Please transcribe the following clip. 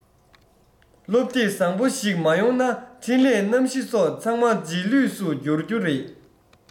སློབ དེབ བཟང བོ ཞིག མ ཡོང ན འཕྲིན ལས རྣམ བཞི སོགས ཚང མ རྗེས ལུས སུ འགྱུར རྒྱུ རེད